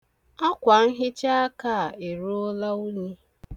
Akwanhichaaka a eruola unyi.